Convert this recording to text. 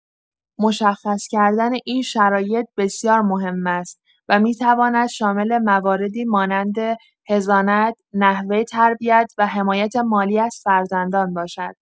مشخص کردن این شرایط بسیار مهم است و می‌تواند شامل مواردی مانند حضانت، نحوه تربیت و حمایت مالی از فرزندان باشد.